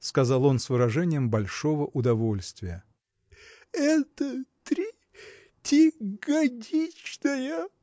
– сказал он с выражением большого удовольствия. – Это тре. те. годнич. ная!